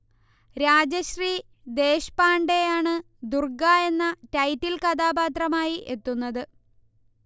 രാജശ്രീ ദേശ്പാണ്ഡേയാണ് ദുർഗ എന്ന ടൈറ്റിൽ കഥാപാത്രമായി എത്തുന്നത്